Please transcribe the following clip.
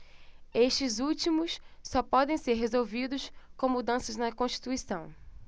estes últimos só podem ser resolvidos com mudanças na constituição